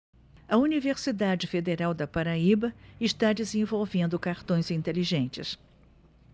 a universidade federal da paraíba está desenvolvendo cartões inteligentes